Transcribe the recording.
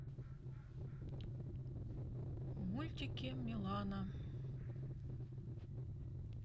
мультики милана